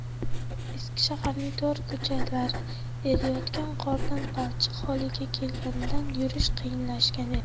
eski shaharning tor ko'chalari eriyotgan qordan balchiq holiga kelganidan yurish qiyinlashgan edi